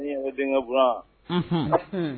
Ne yɛrɛ denkɛ Burama,